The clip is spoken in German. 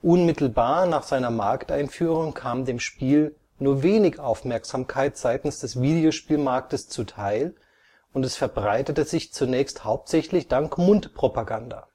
Unmittelbar nach seiner Markteinführung kam dem Spiel nur wenig Aufmerksamkeit seitens des Videospielmartkes zuteil und es verbreitete sich zunächst hauptsächlich dank Mundpropaganda